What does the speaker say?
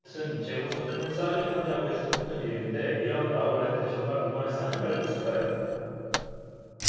그리고 아웃렛은 재고 상품을 싸게 판다고 해서 붙은 이름인데 이런 아웃렛들 정말 물건을 싸게 팔고 있을까요